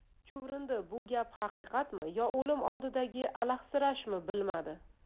chuvrindi bu gap haqiqatmi yo o'lim oldidagi alahsirashmi bilmadi